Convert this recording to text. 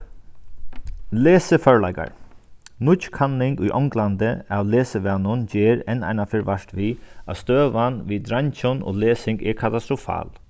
lesiførleikar nýggj kanning í onglandi av lesivanum ger enn einaferð vart við at støðan við dreingjum og lesing er katastrofal